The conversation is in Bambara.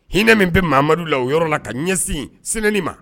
Hinɛinɛ min bɛ mamadu la o yɔrɔ la ka ɲɛsin in senni ma